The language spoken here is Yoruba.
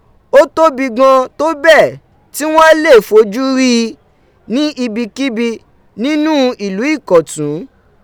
O tobi gan to bẹẹ ti wọn lee foju rii ni ibi kibi ninu ilu Ìkọ̀tún.